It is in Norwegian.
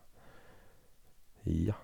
Ja.